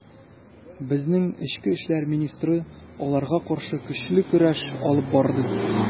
Безнең эчке эшләр министры аларга каршы көчле көрәш алып барды.